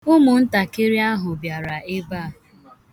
Ụmụntakịrị ahu biara ebe a.